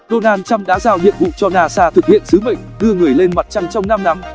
donald trump đã giao nhiệm vụ cho nasa thực hiện sứ mệnh đưa người lên mặt trăng trong năm